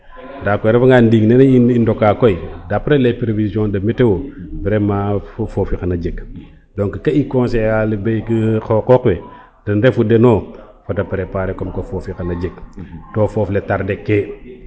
nda koy a refa nga ndiig nene i ndoka koy d' apres les prevision de meteo vraiment fo fofi xana jeg donc ka i conseiller a le xoxox we ten refu deno fada preparer comme que fofi xana jeg to foof le tarde ke